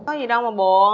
có gì đâu mà buồn